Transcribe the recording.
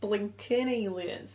Blincin aliens.